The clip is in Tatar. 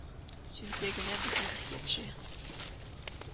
Сүнсә генә безнең искә төшә